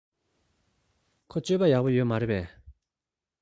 ཁོའི སྤྱོད པ ཡག པོ ཡོད མ རེད པས